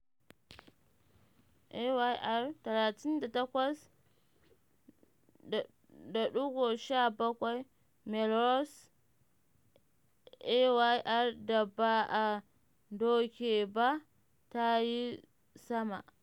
Ayr 38 - 17 Melrose: Ayr da ba a doke ba ta yi sama